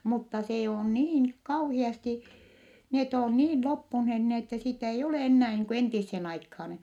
mutta se on niin kauheasti ne on niin loppuneet niin että sitä ei ole enää niin kuin entiseen aikaan